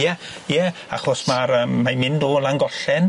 Ie ie achos ma'r yym mae'n mynd o Langollen.